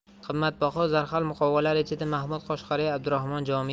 qimmatbaho zarhal muqovalar ichida mahmud koshg'ariy abdurahmon jomiy